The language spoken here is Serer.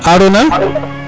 Arona